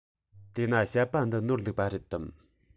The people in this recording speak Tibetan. དེ ན བཤད པ འདི ནོར འདུག པ རེད དམ